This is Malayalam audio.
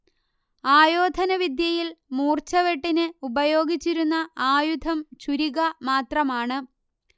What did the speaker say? ആയോധനവിദ്യയിൽ മൂർച്ചവെട്ടിന് ഉപയോഗിച്ചിരുന്ന ആയുധം ചുരിക മാത്രമാണ്